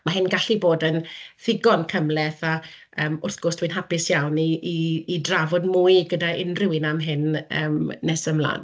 ma' hyn yn gallu bod yn ddigon cymhleth a yym wrth gwrs dwi'n hapus iawn i i i drafod mwy gyda unryw un am hyn yym nes ymlaen.